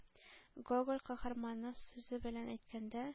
Гоголь каһарманы сүзе белән әйткәндә,